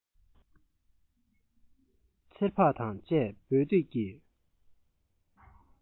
འཚེར བག དང བཅས འབོལ སྟེགས ཀྱི